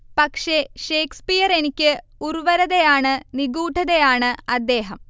പക്ഷേ, ഷേക്സ്പിയറെനിക്ക് ഉർവരതയാണ്, നിഗൂഢതയാണ് അദ്ദേഹം